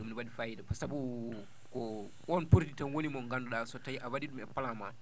ene waɗi fayida sabu ko on produit tan woni mo ngannduɗaa so tawii a waɗiɗum e plan ma